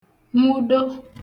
nwụdo